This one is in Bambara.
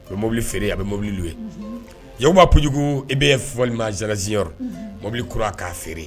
U bɛ mobili fere, a bɛ mobili louer ;Unhun ;Yakuba Pujugu EBF walima Jara ziniyɔru; Unhun ;mobili kura k'a fere